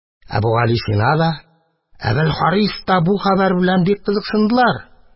Әбүгалисина да, Әбелхарис та бу хәбәр белән бик кызыксындылар.